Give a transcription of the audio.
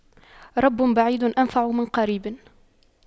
رب بعيد أنفع من قريب